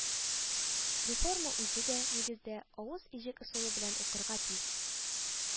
Реформа үзе дә, нигездә, аваз-иҗек ысулы белән укырга тиз